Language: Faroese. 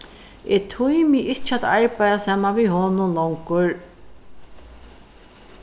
eg tími ikki at arbeiða saman við honum longur